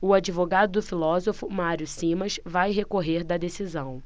o advogado do filósofo mário simas vai recorrer da decisão